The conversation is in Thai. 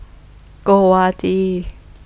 โกวาจี